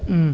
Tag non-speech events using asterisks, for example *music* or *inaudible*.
*hesitation* *hesitation*